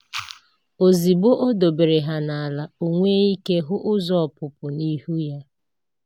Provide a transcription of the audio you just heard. Ozugbo o dobere ha n'ala, o nwee ike hụ ụzọ ọpụpụ n'ihu ya.